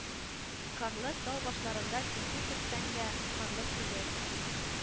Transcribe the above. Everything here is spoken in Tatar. Карлы тау башларында көтү көтсәң дә, карлы себер